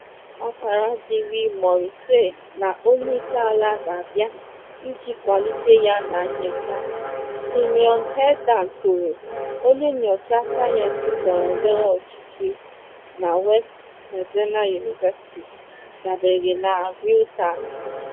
“Ọ bụghị ezigbo akara dịịrị Morrisey na onye isi ala ga-abịa iji kwalite ya na nyocha,” Simon Haeder kwuru, onye nyocha sayensị ndọrọndọrọ ọchịchị na West Virginia University, dabere na Reuters.